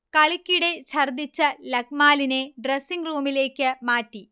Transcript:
കളിക്കിടെ ഛർദിച്ച ലക്മാലിനെ ഡ്രസിങ്ങ് റൂമിലേക്ക് മാറ്റി